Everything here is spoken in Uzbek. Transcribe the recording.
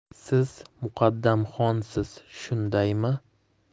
siz muqaddamxonsiz shundaymi